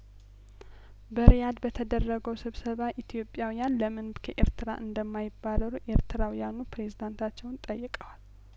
በሪያድ በተደረገው ስብሰባ ኢትዮጵያውያን ለምን ከኤርትራ እንደማይባረሩ ኤርትራውያኑ ፕሬዝዳን ታቸውን ጠይቀዋል